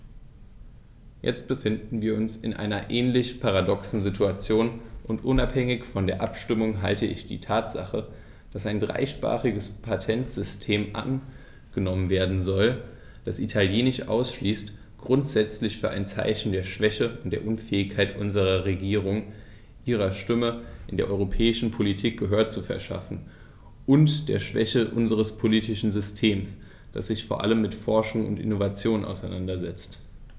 Jetzt befinden wir uns in einer ähnlich paradoxen Situation, und unabhängig von der Abstimmung halte ich die Tatsache, dass ein dreisprachiges Patentsystem angenommen werden soll, das Italienisch ausschließt, grundsätzlich für ein Zeichen der Schwäche und der Unfähigkeit unserer Regierung, ihrer Stimme in der europäischen Politik Gehör zu verschaffen, und der Schwäche unseres politischen Systems, das sich vor allem mit Forschung und Innovation auseinandersetzt.